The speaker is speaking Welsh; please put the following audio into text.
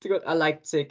Ti'n gwybod a Leipzig.